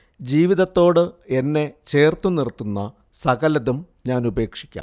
ജീവിതത്തോട് എന്നെ ചേർത്തു നിർത്തുന്ന സകലതും ഞാനുപേക്ഷിക്കാം